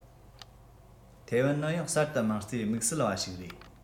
ཐའེ ཝན ནི ཡང གསར དུ དམངས གཙོའི དམིགས བསལ བ ཞིག རེད